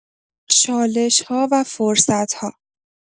چالش‌ها و فرصت‌ها